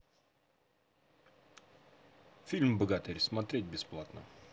фильм богатырь смотреть бесплатно